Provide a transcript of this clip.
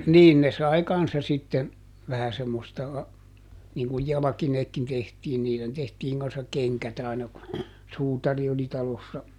niin ne sai kanssa sitten vähän semmoista niin kun jalkineetkin tehtiin niille tehtiin kanssa kengät aina kun suutari oli talossa